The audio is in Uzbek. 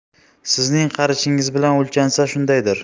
sizning qarichingiz bilan o'lchansa shundaydir